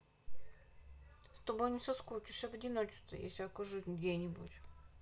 с тобой не соскучишься в одиночестве если окажусь где нибудь